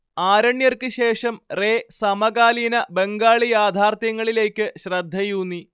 ആരണ്യർക്ക് ശേഷം റേ സമകാലീന ബംഗാളി യാഥാർത്ഥ്യങ്ങളിലേയ്ക്ക് ശ്രദ്ധയൂന്നി